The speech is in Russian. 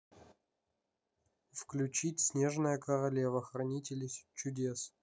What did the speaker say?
включить снежная королева хранители чудес